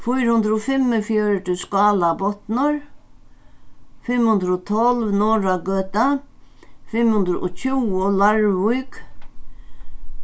fýra hundrað og fimmogfjøruti skálabotnur fimm hundrað og tólv norðragøta fimm hundrað og tjúgu leirvík